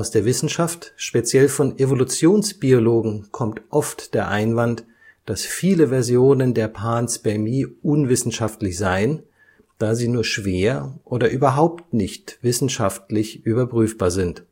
der Wissenschaft, speziell von Evolutionsbiologen, kommt oft der Einwand, dass viele Versionen der Panspermie unwissenschaftlich seien, da sie nur schwer oder überhaupt nicht wissenschaftlich überprüfbar sind